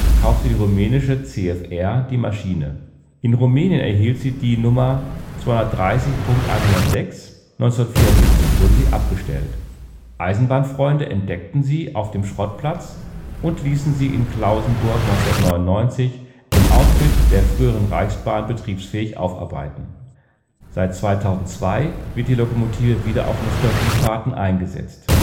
rumänische CFR die Maschine. In Rumänien erhielt sie die Nr. 230.106. 1974 wurde sie abgestellt. Eisenbahnfreunde entdeckten sie auf dem Schrottplatz und ließen sie in Klausenburg 1999 im Outfit der frühen Reichsbahn betriebsfähig aufarbeiten. Seit 2002 wird die Lokomotive wieder zu Nostalgiefahrten eingesetzt